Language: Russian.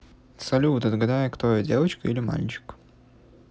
салют отгадай кто я девочка или мальчик